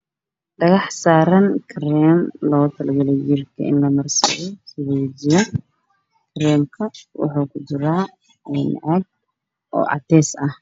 Dhagax saaran kareen loogu talo galay jirka een marsado sida wejiga kareemka wuxuu ku jiraa caag oo caddees ah